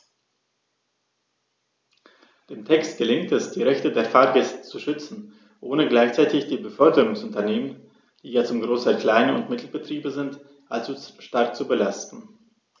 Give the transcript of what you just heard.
Dem Text gelingt es, die Rechte der Fahrgäste zu schützen, ohne gleichzeitig die Beförderungsunternehmen - die ja zum Großteil Klein- und Mittelbetriebe sind - allzu stark zu belasten.